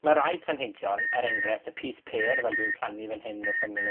Ma' rhai planhigion, er enghrefft y pys pêr, fel dwi'n plannu fan hyn wrth ymyl y